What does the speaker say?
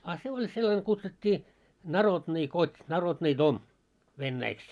a se oli sellainen kutsuttiin narodni kot narodni dom venäjäksi